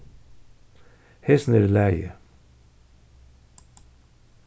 hesin er í lagi